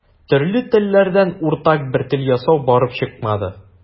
Төрле телләрдән уртак бер тел ясау барып чыкмады.